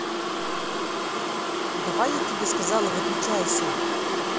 давай я тебе сказала выключайся